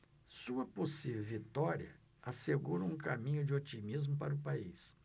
sua possível vitória assegura um caminho de otimismo para o país